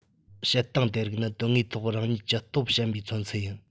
བྱེད སྟངས དེ རིགས ནི དོན དངོས ཐོག རང ཉིད ཀྱི སྟོབས ཞན པའི མཚོན ཚུལ ཡིན